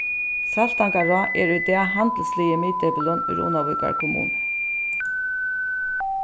saltangará er í dag handilsligi miðdepilin í runavíkar kommunu